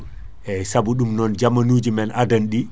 eyyi saabu ɗum non jaamanuji men adana ɗi